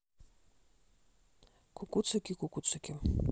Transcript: кукуцики кукуцики